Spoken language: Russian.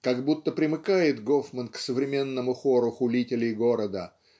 -- как будто примыкает Гофман к современному хору хулителей города